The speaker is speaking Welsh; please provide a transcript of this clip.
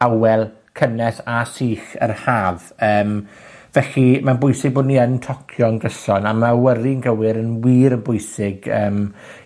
awel cynnes a sych yr Haf. Yym, felly, ma'n bwysig bo' ni yn tocio'n gyson a ma' awyru'n gywir yn wir yn bwysig yym,